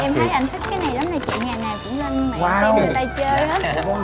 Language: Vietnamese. em thấy ảnh thích cái này lắm nè chị ngày nào cũng lên mạng oao xem người ta chơi hết